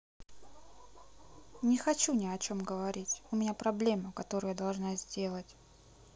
не хочу ни о чем говорить у меня проблема которую я должна сделать